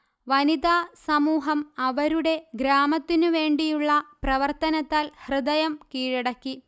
വനിതാ സമൂഹം അവരുടെ ഗ്രാമത്തിനുവേണ്ടിയുള്ള പ്രവർത്തനത്താൽ ഹൃദയം കീഴടക്കി